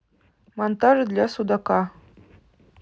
монтаж для судака